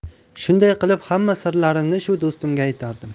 shunday qilib hamma sirlarimni shu do'stimga aytardim